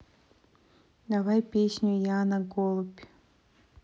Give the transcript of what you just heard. давай песню яна голубь